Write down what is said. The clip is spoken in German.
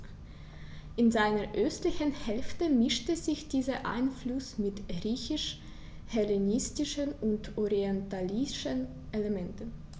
In seiner östlichen Hälfte mischte sich dieser Einfluss mit griechisch-hellenistischen und orientalischen Elementen.